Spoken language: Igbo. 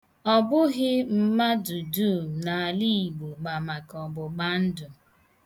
Ọbụghị mmadụ dum na ala Igbo ma maka ọgbụgbandụ.